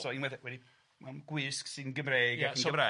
So unwaith e- wedi mewn gwisg sy'n Gymreig ac yn Gymraeg.